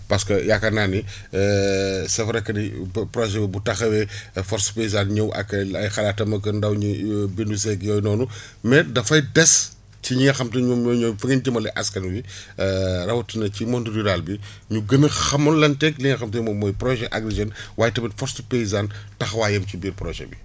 parce que yaakaar naa ni c' est vrai que ni pro projet bu taxawee force paysane ñëw ak ay xalaatam ak ndaw ñi bindu seeg yooyu noonu mais dafay des ci ñi nga xam te ne ñoom ñooy ñëw fa ngeen jëmale askan wi rawatina ci monde rural bi ñu gën a xamalanteeg li nga xam ne moom mooy projet Agri Jeunes waaye tamit force paysane taxawaayam ci biir projet bi